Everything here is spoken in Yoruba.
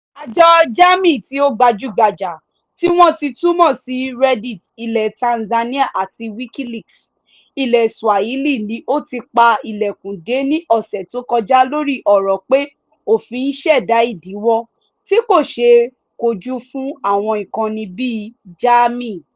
Àjọ Jamii tí ó gbajúgbajà - tí wọ́n ti túmọ̀ sí Reddit ilẹ̀ Tanzania àti Wikileaks ilẹ̀ Swahili-ni ó ti pa ìlẹ̀kùn dé ní ọ̀sẹ̀ tó kọjá lórí ọ̀rọ̀ pé òfin ṣẹ̀dá ìdíwọ́ tí kò ṣeé kojú fún àwọn ìkànnì bíi Jamii.